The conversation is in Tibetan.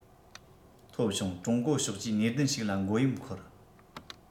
ཐོབ བྱུང ཀྲུང གོ ཕྱོགས ཀྱིས ནུས ལྡན ཞིག ལ མགོ ཡོམ འཁོར